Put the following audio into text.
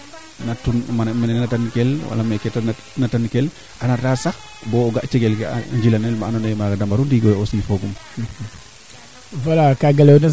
xooxa pour xooxa jeg kee o jirñoora jeg kee o ñoowta ten refu meen ndaa a refa nga a qooqa le ando naye kaa waro jirñong baa jirñaa lakas kaa lamit formation fok wiin we ngetu win